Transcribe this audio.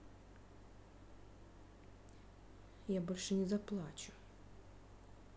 я больше не заплачу